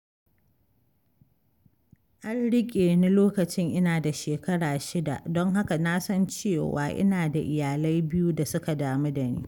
An riƙe ni lokacin ina da shekara shida don haka na san cewa ina da iyalai biyu da suka damu da ni.